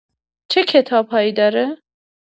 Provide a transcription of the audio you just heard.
چه کتاب‌هایی داره؟